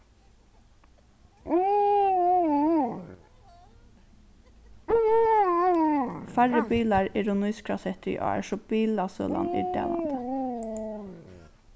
færri bilar eru nýskrásettir í ár so bilasølan er dalandi